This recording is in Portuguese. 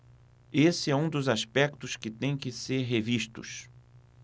esse é um dos aspectos que têm que ser revistos